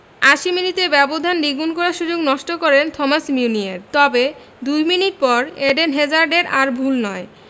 ৮০ মিনিটে ব্যবধান দ্বিগুণ করার সুযোগ নষ্ট করেন থমাস মিউনিয়ের তবে দুই মিনিট পর এডেন হ্যাজার্ডের আর ভুল নয়